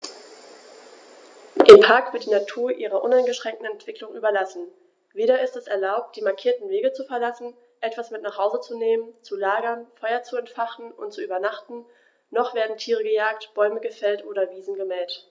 Im Park wird die Natur ihrer uneingeschränkten Entwicklung überlassen; weder ist es erlaubt, die markierten Wege zu verlassen, etwas mit nach Hause zu nehmen, zu lagern, Feuer zu entfachen und zu übernachten, noch werden Tiere gejagt, Bäume gefällt oder Wiesen gemäht.